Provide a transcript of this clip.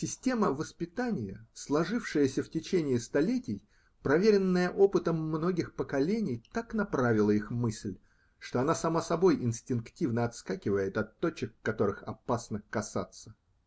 Система воспитания, сложившаяся в течение столетий, проверенная опытом многих поколений, так направила их мысль, что она сама собой инстинктивно отскакивает от точек, которых опасно касаться.